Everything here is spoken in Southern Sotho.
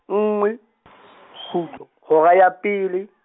nngwe, kgutlo, hora ya pele .